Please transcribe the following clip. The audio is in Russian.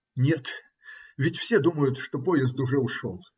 Нет, ведь все думают, что поезд уже ушел